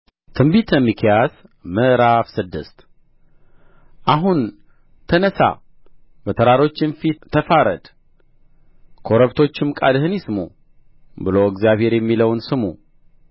ትንቢተ ሚክያስ ምዕራፍ ስድስት አሁን ተነሣ በተራሮችም ፊት ተፋረድ ኮረብቶችም ቃልህን ይስሙ ብሎ እግዚአብሔር የሚለውን ስሙ